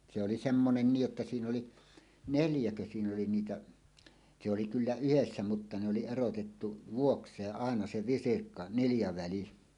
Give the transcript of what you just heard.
se oli semmoinen niin jotta siinä oli neljäkö siinä oli niitä se oli kyllä yhdessä mutta ne oli erotettu vuokseen aina se visirkka niljaväli